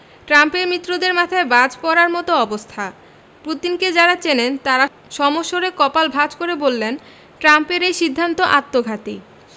ট্রাম্পের মিত্রদের মাথায় বাজ পড়ার মতো অবস্থা পুতিনকে যাঁরা চেনেন তাঁরা সমস্বরে কপাল ভাঁজ করে বললেন ট্রাম্পের এই সিদ্ধান্ত আত্মঘাতী